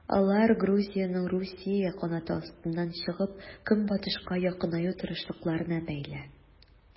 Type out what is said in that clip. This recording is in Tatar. Алар Грузиянең Русия канаты астыннан чыгып, Көнбатышка якынаю тырышлыкларына бәйле.